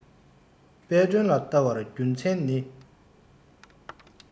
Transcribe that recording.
དཔལ སྒྲོན ལ བལྟ བར རྒྱུ མཚན ནི